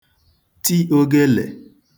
ti ōgēlè